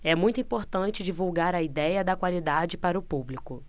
é muito importante divulgar a idéia da qualidade para o público